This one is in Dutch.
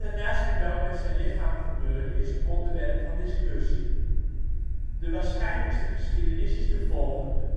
na zijn dood met zijn lichaam gebeurde is een onderwerp van discussie. De waarschijnlijkste geschiedenis is de volgende